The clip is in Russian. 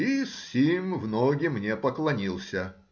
И с сим в ноги мне поклонился.